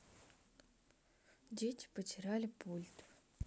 дети потеряли пульт